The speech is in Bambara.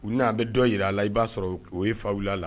U n' a bɛ dɔ jira a la i b'a sɔrɔ o ye fa la